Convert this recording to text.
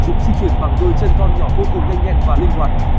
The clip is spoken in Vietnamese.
chúng di chuyển bằng đôi chân thon nhỏ vô cùng nhanh nhẹn và linh hoạt